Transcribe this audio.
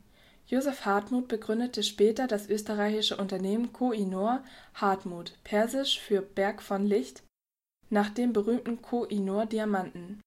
Joseph Hardtmuth begründete später das österreichische Unternehmen Koh-i-Noor Hardtmuth (persisch f. „ Berg von Licht “, nach dem berühmten Koh-i-Noor-Diamanten